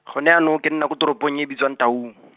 go ne jaanong ke nna ko toropong e e bitswang Taung.